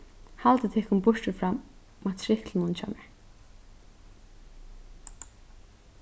haldið tykkum burtur frá matriklinum hjá mær